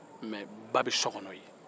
mɛ ba bɛ so kɔnɔ yen